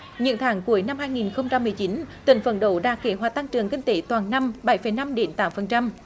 những tháng cuối năm hai nghìn không trăm mười chín tỉnh phấn đấu đạt kế hoạch tăng trưởng kinh tế toàn năm bảy phẩy năm đến tám phần trăm